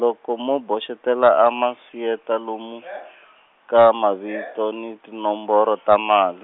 loko mo boxetela a ma siyeta lomu , ka mavito ni tinomboro ta mali.